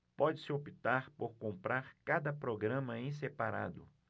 pode-se optar por comprar cada programa em separado